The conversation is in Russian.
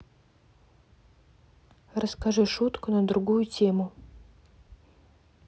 расскажи шутку на другую тему